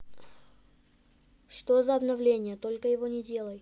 что за обновление только его не делай